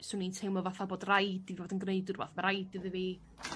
'swn i'n teimlo fatha bod rhaid i fod yn gneud rwbath ma' raid iddi fi